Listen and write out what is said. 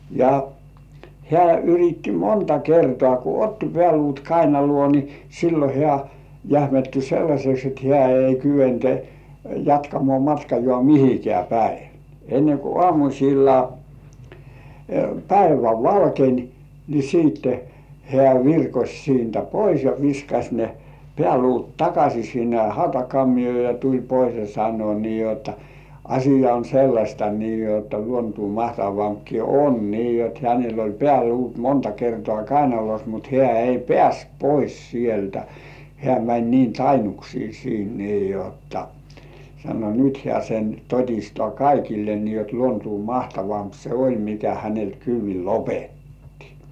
ja hän yritti monta kertaa kun otti pääluut kainaloon niin silloin hän jähmettyi sellaiseksi että hän ei kykene jatkamaan matkaa mihinkään päin ennen kuin aamusella päivä valkenee niin sitten hän virkosi siitä pois ja viskasi ne pääluut takaisin sinne hautakammioon ja tuli pois ja sanoi niin jotta asia on sellaista niin jotta luontoa mahtavampikin on niin jotta hänellä oli pääluut monta kertaa kainalossa mutta hän ei päässyt pois sieltä hän meni niin tainnuksiin siitä niin jotta sanoi nyt hän sen toistaa kaikille niin jotta luontoa mahtavampi se oli mikä häneltä kyydin lopetti